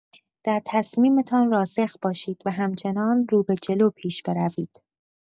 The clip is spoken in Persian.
در تصمیمتان راسخ باشید و همچنان رو به‌جلو پیش بروید.